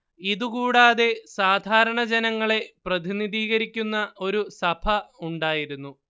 ഇതു കൂടാതെ സാധാരണ ജനങ്ങളെ പ്രതിനിധീകരിക്കുന്ന ഒരു സഭ ഉണ്ടായിരുന്നു